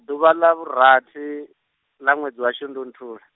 ḓuvha ḽa vhu rathi, ḽa ṅwedzi wa shundunthule.